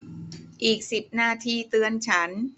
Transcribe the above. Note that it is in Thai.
อีกสิบนาทีเตือนฉัน